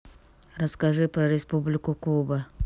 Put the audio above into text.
расскажи про республику куба